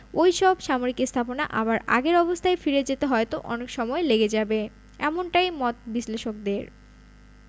ওই সব সামরিক স্থাপনা আবার আগের অবস্থায় ফিরে যেতে হয়তো অনেক সময় লেগে যাবে এমনটাই মত বিশ্লেষকদের